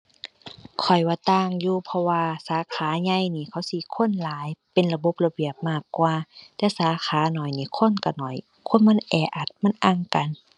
ข้อยว่าต่างอยู่เพราะว่าสาขาใหญ่นี่เขาสิคนหลาย เป็นระบบระเบียบมากกว่า แต่สาขาน้อยนี่คนก็น้อย คนมันแออัด มันอั่งกัน